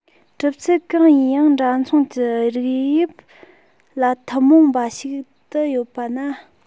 གྲུབ ཚུལ གང ཡིན ཡང འདྲ མཚུངས ཀྱི རིགས དབྱིབས ལ ཐུན མོང འབའ ཞིག ཏུ ཡོད པ ན